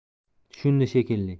tushundi shekilli